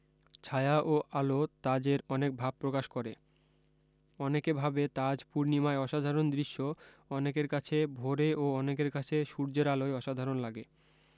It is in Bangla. ছায়া ও আলো তাজের অনেক ভাব প্রকাশ করে অনেকে ভাবে তাজ পূর্ণিমায় অসাধারণ দৃশ্য অনেকের কাছে ভোরে ও অনেকের কাছে সূর্যের আলোয় অসাধারণ লাগে